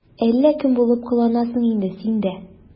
Әллә кем булып кыланасың инде син дә...